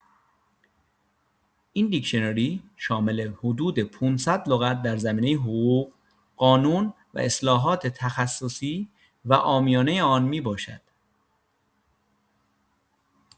این دیکشنری شامل حدود ۵۰۰ لغت در زمینه حقوق، قانون و اصلاحات تخصصی و عامیانه آن می‌باشد.